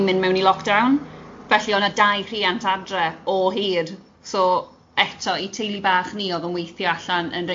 i'n mynd mewn i lockdown, felly oedd yna dau rhiant adre o hyd, so eto, i teulu bach ni oedd o'n weithio allan yn